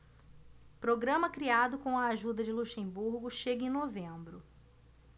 programa criado com a ajuda de luxemburgo chega em novembro